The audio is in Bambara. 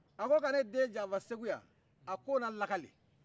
a ko ka ne den janfa segu yan a k'o na lakali